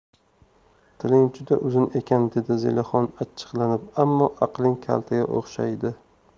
tiling juda uzun ekan dedi zelixon achchiqlanib ammo aqling kaltaga o'xshaydi